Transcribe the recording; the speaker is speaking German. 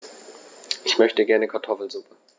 Ich möchte gerne Kartoffelsuppe.